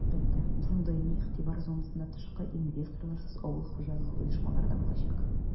Әлбәттә, безнең даими игътибар зонасында тышкы инвесторларсыз авыл хуҗалыгы оешмалары да булачак.